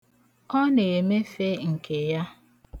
Ọ na-emefe nke ya.